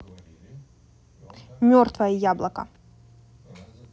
мертвое яблоко